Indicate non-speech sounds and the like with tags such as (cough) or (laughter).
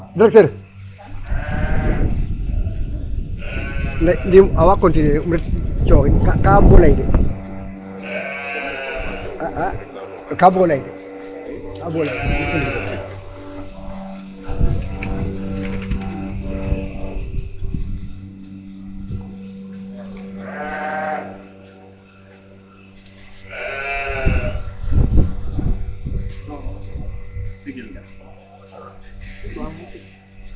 (noise) (hesitation) a wa continuer den um ret cooxin kaa bug o lay de (noise) kaa bug o lay (noise) kaa bug o lay (noise) (crosstalk)